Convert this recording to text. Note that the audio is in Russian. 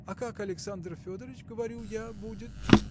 – А как Александр Федорыч, говорю я, будет?.